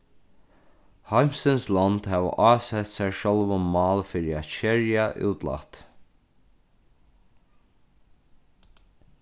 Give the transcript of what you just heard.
heimsins lond hava ásett sær sjálvum mál fyri at skerja útlátið